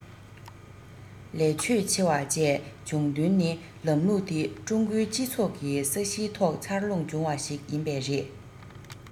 ལས ཕྱོད ཆེ བ བཅས བྱུང དོན ནི ལམ ལུགས དེ ཀྲུང གོའི སྤྱི ཚོགས ཀྱི ས གཞིའི ཐོག འཚར ལོངས བྱུང བ ཞིག ཡིན པས རེད